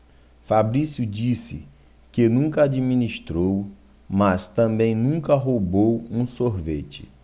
fabrício disse que nunca administrou mas também nunca roubou um sorvete